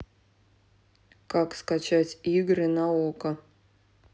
как скачать игры на окко